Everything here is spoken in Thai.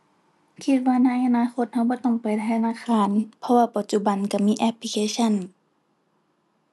คิดว่าในอนาคตเราบ่ต้องไปธนาคาร เพราะว่าปัจจุบันเรามีแอปพลิเคชัน